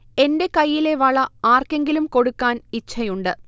എന്റെ കൈയിലെ വള ആർക്കെങ്കിലും കൊടുക്കാൻ ഇച്ഛയുണ്ട്